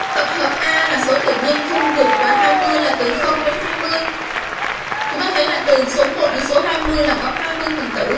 tập hợp a là số tự nhiên không vượt quá là từ đến có thể là từ số đến số là có phần tử